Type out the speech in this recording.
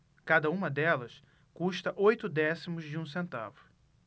cada uma delas custa oito décimos de um centavo